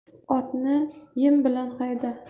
otni yem bilan hayda